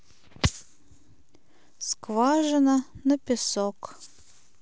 скважина на песок